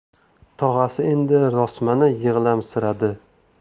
tog'asi endi rosmana yig'lamsiradi